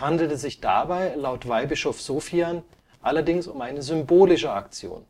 handelte sich dabei laut Weihbischof Sofian allerdings um eine symbolische Aktion,